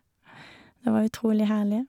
Det var utrolig herlig.